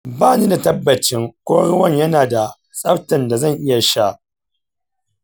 bani da tabbacin ko ruwana ya nada tsaftan da zan iya sha.